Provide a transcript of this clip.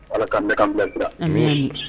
Ala ka ne bɛn bila